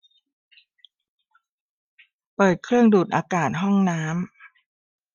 เปิดเครื่องดูดอากาศห้องน้ำ